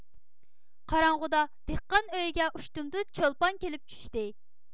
قاراڭغۇدا دېھقان ئۆيىگە ئۇشتۇمتۇت چولپان كېلىپ چۈشتى